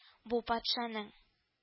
Бу патшаның